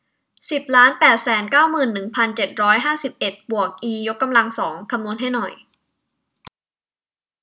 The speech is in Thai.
สิบล้านแปดแสนเก้าหมื่นหนึ่งพันเจ็ดร้อยห้าสิบเอ็ดบวกอียกกำลังสองคำนวณให้หน่อย